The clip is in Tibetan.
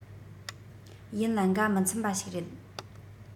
ཡིན ལ འགའ མི འཚམ པ ཞིག རེད